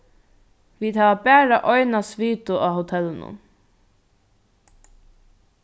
vit hava bara eina svitu á hotellinum